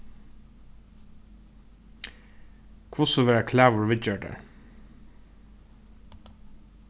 hvussu verða klagur viðgjørdar